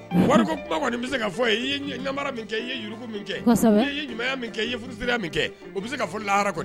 Kɔni bɛ se ka fɔ min kɛ i ye yurugu kɛ i' ye ɲumanya min kɛ i ye furusiya min kɛ o bɛ se ka foli lahara kɔni